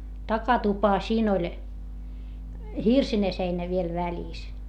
takatupa siinä oli hirsinen seinä vielä välissä